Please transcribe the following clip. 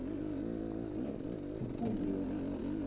тупой блять